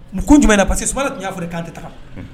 Mu kun jumɛn parceseke sumaworo y' fɔ k kan tɛ ta